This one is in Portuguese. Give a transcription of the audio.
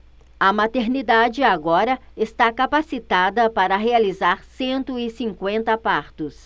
a maternidade agora está capacitada para realizar cento e cinquenta partos